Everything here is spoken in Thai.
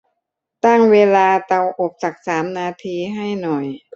ตั้งเวลาเตาอบสักสามนาทีให้หน่อย